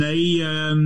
neu yym